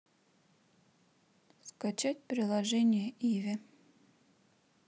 скачать приложение иви